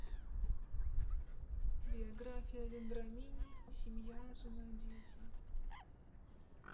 биография вендрамини семья жена дети